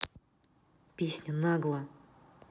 песня нагло